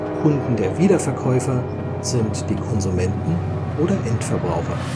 Kunden der Wiederverkäufer sind die Konsumenten oder Endverbraucher